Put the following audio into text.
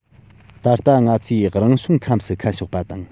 ད ལྟ ང ཚོས རང བྱུང ཁམས སུ ཁ ཕྱོགས པ དང